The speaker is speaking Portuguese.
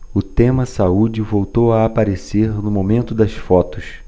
o tema saúde voltou a aparecer no momento das fotos